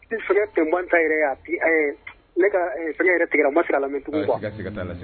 Sɛgɛ tun man ta yɛrɛ fɛn tigɛ a ma sira a la tugu